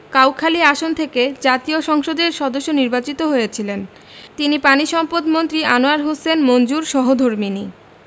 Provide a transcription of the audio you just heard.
কাউখালী আসন থেকে জাতীয় সংসদের সদস্য নির্বাচিত হয়েছিলেন তিনি পানিসম্পদমন্ত্রী আনোয়ার হোসেন মঞ্জুর সহধর্মিণী